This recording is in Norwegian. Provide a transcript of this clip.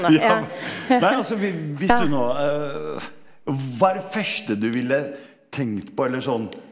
ja nei altså hvis du nå hva er det første du ville tenkt på eller sånn?